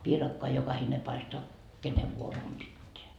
piirakkaa jokainen paistaa kenen vuoro on pitää